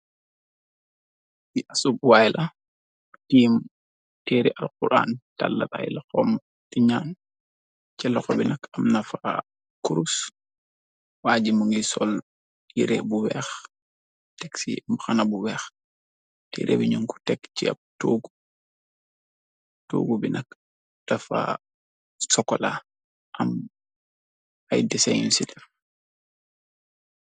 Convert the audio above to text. bi asub waayla tiim teeri al xuraan tàllaray la xoom ti naan ca loxo bi nak am nafa kurus waaji mu ngi sol yire bu weex teksim mbaxana bu weex te reebi ñunku tekk ci ab tuugu bi nakk dafa sokola am ay deseyun ci def